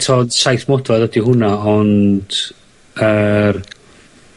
t'od saith modfedd ydi hwnna ond yr...